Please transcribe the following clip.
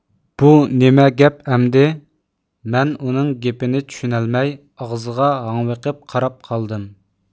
بۇ نېمە گەپ ئەمدى مەن ئۇنىڭ گېپىنى چۈشىنەلمەي ئاغزىغا ھاڭۋېقىپ قاراپ قالدىم